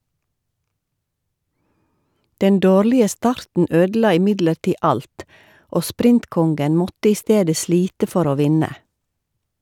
Den dårlige starten ødela imidlertid alt, og sprintkongen måtte i stedet slite for å vinne.